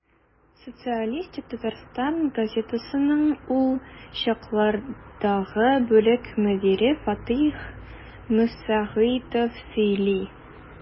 «социалистик татарстан» газетасының ул чаклардагы бүлек мөдире фатыйх мөсәгыйтов сөйли.